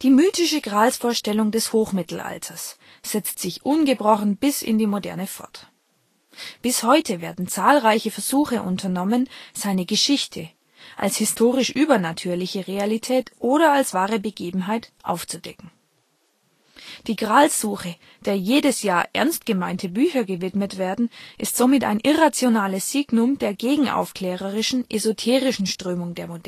mythische Gralsvorstellung des Hochmittelalters setzt sich ungebrochen bis in die Moderne fort. Bis heute werden zahlreiche Versuche unternommen, seine Geschichte (als historisch-übernatürliche Realität, als wahre Begebenheit) aufzudecken. Die Gralssuche, der jedes Jahr ernst gemeinte Bücher gewidmet werden, ist somit ein irrationales Signum der gegenaufklärerischen, esoterischen Strömung der